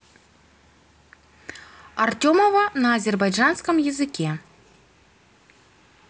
артемова на азербайджанском языке